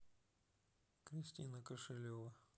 кристина кошелева